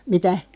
mitä